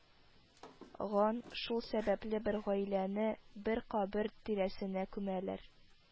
Ган, шул сәбәпле бер гаиләне бер кабер тирәсенә күмәләр